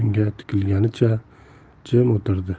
unga tikilganicha jim o'tirdi